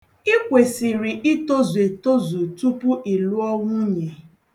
I kwesịrị itozu etozu tupu ị lụọ nwunye.